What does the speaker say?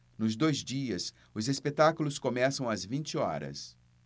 nos dois dias os espetáculos começam às vinte horas